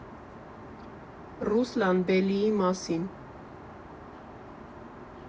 Ռուսլան Բելիի մասին։